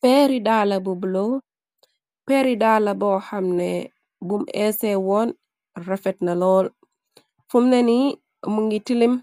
Peeri daala bu bula, peeri daala bó xamne bum eseh woon rafet na lool fum né ni mu ngi tilim